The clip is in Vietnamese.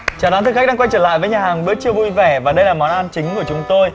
chào đón quý khách đã quay trở lại với nhà hàng bữa trưa vui vẻ và đây là món ăn chính của chúng tôi